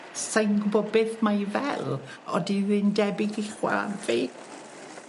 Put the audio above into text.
Sai'n gwbo beth ma' 'i fel odyw 'i'n debyg i chwa'r fi?